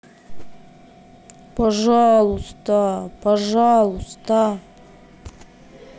пожалуйста пожалуйста